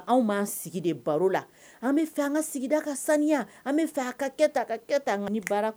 An fɛ an fɛ kɛ kɛ